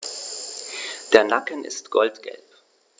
Der Nacken ist goldgelb.